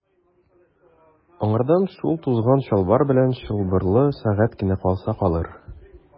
Аңардан шул тузган чалбар белән чылбырлы сәгате генә калса калыр.